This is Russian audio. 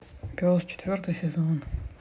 пес четвертый сезон